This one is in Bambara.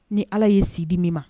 Ni ala'i si di min ma